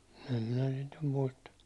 en minä sitä nyt muista